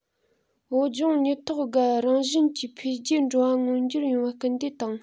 བོད ལྗོངས ཉིད ཐོད བརྒལ རང བཞིན གྱིས འཕེལ རྒྱས འགྲོ བ མངོན འགྱུར ཡོང བར སྐུལ འདེད དང